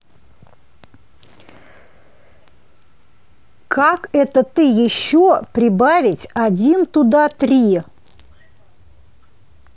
как это ты еще прибавить один туда три